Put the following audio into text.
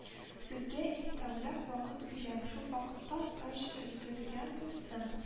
- сезгә иң тәүләк вакыт бирәм, шул вакытка таҗ өлгергән булсын